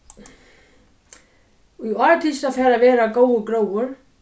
í ár tykist at fara at vera góður gróður